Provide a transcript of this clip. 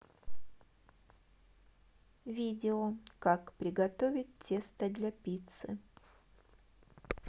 видео как приготовить тесто для пиццы